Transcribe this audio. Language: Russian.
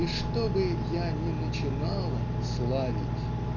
И что бы я ни начинала славить